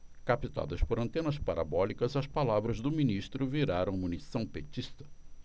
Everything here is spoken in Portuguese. captadas por antenas parabólicas as palavras do ministro viraram munição petista